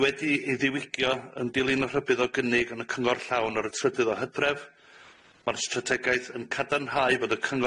yn ca' cyfla i edrych arno fo ag i neud awgrymiada yym diolch.